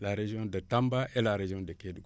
la région de Tamba et la région de Kédougou